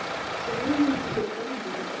Шуны мин күзәттем дә.